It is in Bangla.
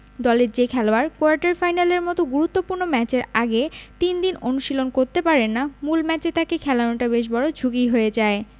দলের যে খেলোয়াড় কোয়ার্টার ফাইনালের মতো গুরুত্বপূর্ণ ম্যাচের আগে তিন দিন অনুশীলন করতে পারেন না মূল ম্যাচে তাঁকে খেলানোটা বেশ বড় ঝুঁকিই হয়ে যায়